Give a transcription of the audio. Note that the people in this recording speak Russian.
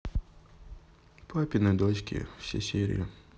папины дочки все серии